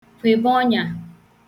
kwèbe ọnyà